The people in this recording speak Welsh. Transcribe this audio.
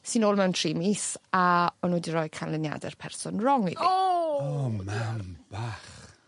Es i nôl mewn tri mis a o'n nw 'di roi canlyniade'r person rong i fi. O! O mam bach!